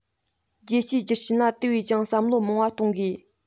རྒྱལ སྤྱིའི རྒྱུ རྐྱེན ལ དེ བས ཀྱང བསམ བློ མང བ གཏོང དགོས